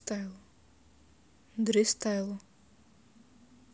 дристайло